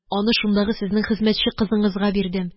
Аны шундагы сезнең хезмәтче кызыңызга бирдем.